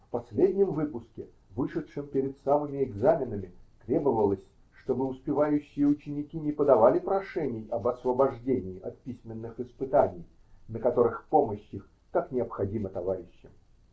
В последнем выпуске, вышедшем перед самыми экзаменами, требовалось, чтобы успевающие ученики не подавали прошений об освобождении от письменных испытаний, на которых помощь их так необходима товарищам.